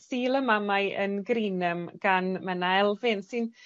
Sul y Mamau yn Greenham gan Menna Elfyn, sy'n